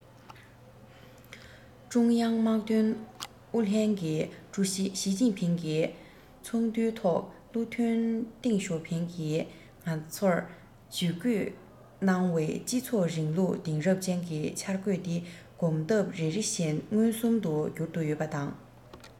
ཀྲུང དབྱང དམག དོན ཨུ ལྷན གྱི ཀྲུའུ ཞི ཞིས ཅིན ཕིང གིས ཚོགས འདུའི ཐོག བློ མཐུན ཏེང ཞའོ ཕིང གིས ང ཚོར ཇུས འགོད གནང བའི སྤྱི ཚོགས རིང ལུགས དེང རབས ཅན གྱི འཆར འགོད དེ གོམ སྟབས རེ རེ བཞིན མངོན སུམ དུ འགྱུར དུ ཡོད པ དང